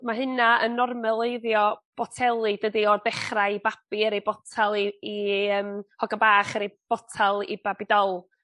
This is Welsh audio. ma' hynna yn normaleiddio boteli dydi o ddechra i babi ar ei botel i i yym hogan bach i roi botel i babi dol.